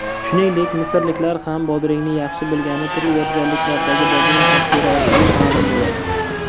shuningdek misrliklar ham bodringni yaxshi bilgani turli yodgorliklardagi bodring tasviri orqali ma'lum bo'ladi